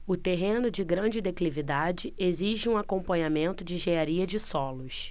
o terreno de grande declividade exige um acompanhamento de engenharia de solos